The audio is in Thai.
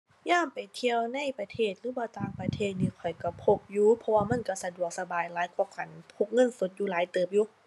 ยามไปเที่ยวในประเทศหรือว่าต่างประเทศนี่ข้อยก็พกอยู่ เพราะว่ามันก็สะดวกสบายหลายกว่าการพกเงินสดอยู่หลายเติบอยู่